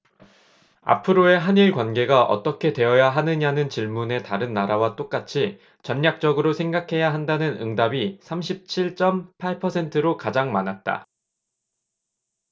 앞으로의 한 일 관계가 어떻게 되어야 하느냐는 질문에 다른 나라와 똑같이 전략적으로 생각해야 한다는 응답이 삼십 칠 쩜 팔 퍼센트로 가장 많았다